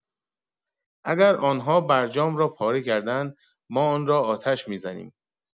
اگر آنها برجام را پاره کردند ما آن را آتش می‌زنیم.